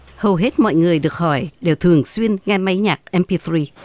hầu hết mọi người được hỏi đều thường xuyên nghe máy nhạc em ti truy